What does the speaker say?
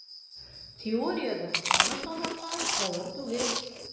Теориядә аны санарга авыр түгел: